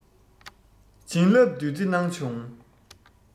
བྱིན བརླབས བདུད རྩི གནང བྱུང